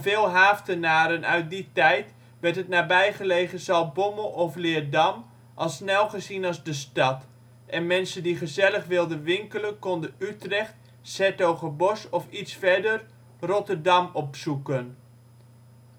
veel Haaftenaren uit die tijd werd het nabijgelegen Zaltbommel of Leerdam al snel gezien als " de stad ", en mensen die gezellig wilden winkelen konden Utrecht, ' s-Hertogenbosch of iets verder Rotterdam opzoeken.